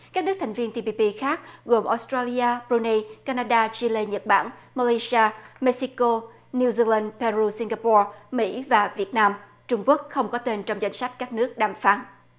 các nước thành viên ti pi pi khác gồm ốt trây li a bờ ru nây ca na đa chi lê nhật bản ma lai xi a mê xi cô niu di lân pê ru sin ga po mỹ và việt nam trung quốc không có tên trong danh sách các nước đàm phán